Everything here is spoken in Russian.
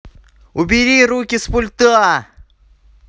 убери руки с пульта